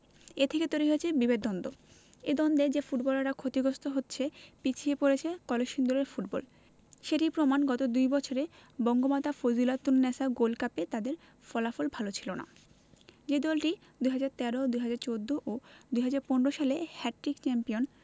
এ থেকেই তৈরি হয়েছে বিভেদ দ্বন্দ্ব এই দ্বন্দ্বে যে ফুটবলাররা ক্ষতিগ্রস্ত হচ্ছে পিছিয়ে পড়ছে কলসিন্দুরের ফুটবল সেটির প্রমাণ গত দুই বছরে বঙ্গমাতা ফজিলাতুন্নেছা গোল্ড কাপে তাদের ফলাফল ভালো ছিল না যে দলটি ২০১৩ ২০১৪ ও ২০১৫ সালে হ্যাটট্রিক চ্যাম্পিয়ন